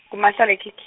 kumakhalekhikhi-.